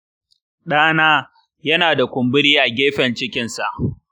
ɗana yana da kumburi a gefen cikinsa.